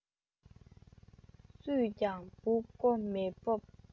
སུས ཀྱང འབུ རྐོ མི སྤོབས